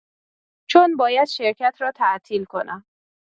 چون باید شرکت را تعطیل کنم.